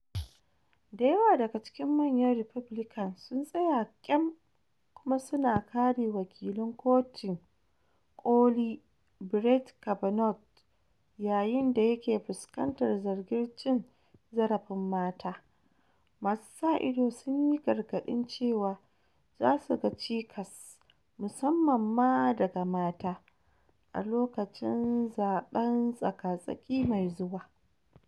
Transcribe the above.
Da yawa daga cikin manya Republican sun tsaya kyam kuma su na kare wakilin Kotun Koli Brett Kavanaugh yayin da yake fuskantar zargin cin zarafin mata, masu sa ido sun yi gargadin cewa za su ga cikas, musamman daga mata, a lokacin zaɓen a tsaka-tsaki mai zuwa.